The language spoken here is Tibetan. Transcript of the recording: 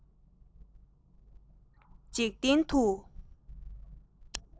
འཇིག རྟེན དུ